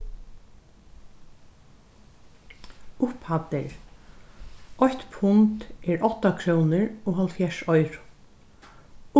upphæddir eitt pund er átta krónur og hálvfjerðs oyru